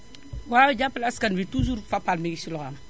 waaw jàppale askan wi toujours Fapal mu ngi ci loxoom